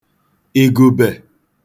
ìgùbè